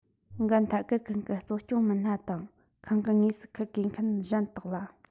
འགན ཐད ཀར འཁུར མཁན གཙོ སྐྱོང མི སྣ དང ཁག འགན དངོས སུ འཁུར དགོས མཁན གཞན དག ལ